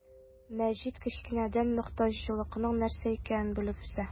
Мәҗит кечкенәдән мохтаҗлыкның нәрсә икәнен белеп үсә.